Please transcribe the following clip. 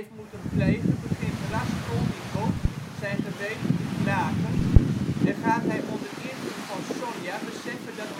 moeten plegen begint Raskolnikov zijn geweten te knagen en gaat hij onder invloed van Sonja beseffen dat